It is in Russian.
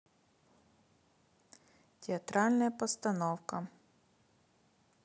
театральная постановка